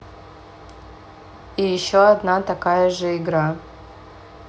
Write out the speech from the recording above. и еще одна такая же игра